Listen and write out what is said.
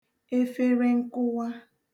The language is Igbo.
efere nkụwa